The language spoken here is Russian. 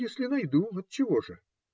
- Если найду, отчего же.